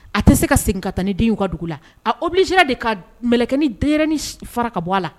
A tɛ se ka segin ka tan ni den ka dugu la a obiliya de ka mkɛ ni deny ni fara ka bɔ a la